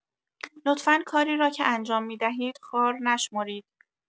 لطفا کاری را که انجام می‌دهید خوار نشمرید.